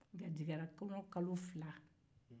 a garijɛgɛ la kɔɲɔ kalo fila